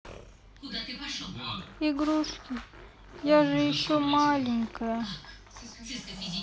игрушки я же еще маленькая